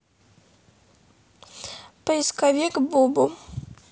поисковик бубу